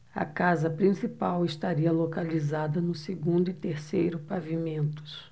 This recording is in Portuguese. a casa principal estaria localizada no segundo e terceiro pavimentos